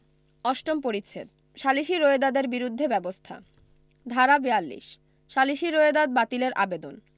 অষ্টম পরিচ্ছেদ সালিসী রোয়েদাদের বিরুদ্ধে ব্যবস্থা ধারা ৪২ সালিসী রোয়েদাদ বাতিলের আবেদন